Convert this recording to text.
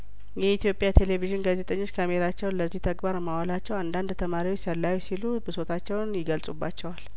የኢትዮጵያ ቴሌቪዥን ጋዜጠኞች ካሜራቸውን ለዚህ ተግባር ማዋላቸውን አንዳንድ ተማሪዎች ሰላዮች ሲሉ ብሶ ታቸውን ይገልጹባቸዋል